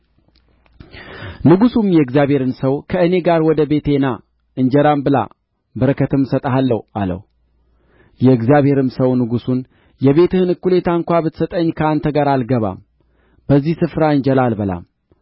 ንጉሡም የእግዚአብሔርን ሰው ከእኔ ጋር ወደ ቤቴ ና እንጀራም ብላ በረከትም እሰጥሃለሁ አለው የእግዚአብሔርም ሰው ንጉሡን የቤትህን እኩሌታ እንኳ ብትሰጠኝ ከአንተ ጋር አልገባም በዚህም ስፍራ እንጀራ አልበላም